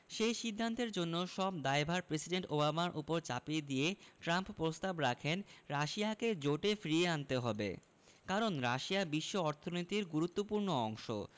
সে সিদ্ধান্তের জন্য সব দায়ভার প্রেসিডেন্ট ওবামার ওপর চাপিয়ে দিয়ে ট্রাম্প প্রস্তাব রাখেন রাশিয়াকে জোটে ফিরিয়ে আনতে হবে কারণ রাশিয়া বিশ্ব অর্থনীতির গুরুত্বপূর্ণ অংশ